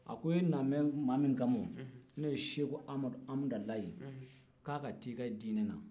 a ko i nanen bɛ maa min kama n'o ye seko amadu amudalayi k'a ka taa i ka dinɛ na